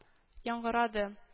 Яңгырады